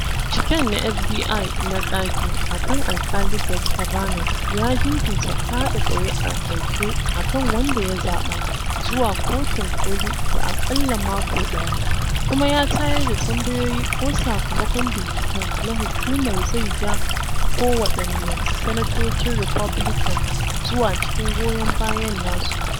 Binciken na FBI na ƙage a kan Alƙali Brett Kavanaugh ya jinkirta kaɗa ƙuri'a ƙarshen a kan wanda ya zaɓa zuwa Kotun ƙoli da aƙalla mako ɗaya, kuma ya tayar da tambayoyi ko sakamakon binciken na hukumar zai ja kowaɗanne sanatocin Republican zuwa cikin goyon bayan nasu.